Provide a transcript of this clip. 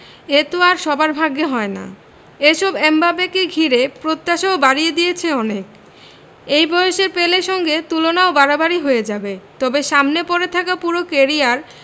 এ তো আর সবার ভাগ্যে হয় না এসব এমবাপ্পেকে ঘিরে প্রত্যাশাও বাড়িয়ে দিয়েছে অনেক এই বয়সের পেলের সঙ্গে তুলনাও বাড়াবাড়িই হয়ে যাবে তবে সামনে পড়ে থাকা পুরো ক্যারিয়ার